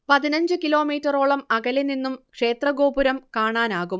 പതിനഞ്ച് കിലോമീറ്ററോളം അകലെ നിന്നും ക്ഷേത്ര ഗോപുരം കാണാനാകും